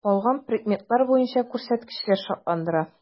Калган предметлар буенча күрсәткечләр шатландыра.